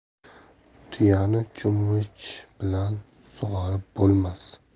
tuyani cho'mich bilan sug'orib bo'lmas